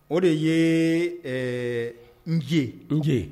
O de ye nj n jɛ